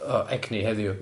o egni heddiw. Yndi.